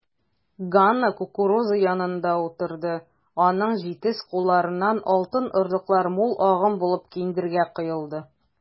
Ганна кукуруза янына утырды, аның җитез кулларыннан алтын орлыклар мул агым булып киндергә коелды.